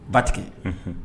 Batigi